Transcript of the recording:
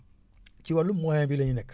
ci wàllum moyen bi la ñu nekk